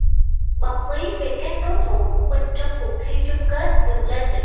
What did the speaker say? bật mí về các đối thủ của mình trong cuộc thi chung kết đường lên đỉnh